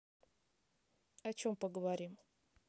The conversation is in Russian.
о чем поговорим